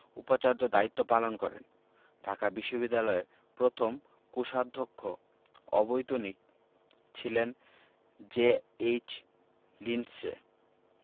উপাচার্য দায়িত্ব পালন করেন ঢাকা বিশ্ববিদ্যালয়ের প্রথম কোষাধ্যক্ষ অবৈতনিক ছিলেন জে.এইচ লিন্ডসে